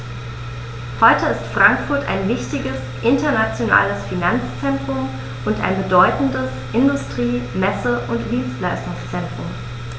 Heute ist Frankfurt ein wichtiges, internationales Finanzzentrum und ein bedeutendes Industrie-, Messe- und Dienstleistungszentrum.